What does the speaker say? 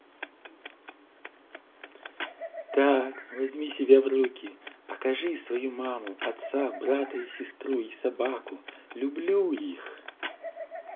так возьми себя в руки покажи свою маму отца брата и сестру и собаку люблю их